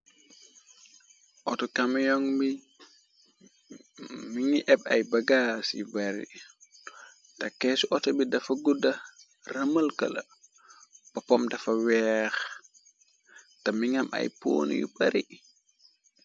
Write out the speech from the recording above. Auto kameyong bi mi ngi eb ay bagaa yi bari ta keci. Auto bi dafa gudda rëmalkala ba pom dafa weex te mi ngam ay poon yu pari.